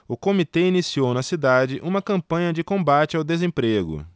o comitê iniciou na cidade uma campanha de combate ao desemprego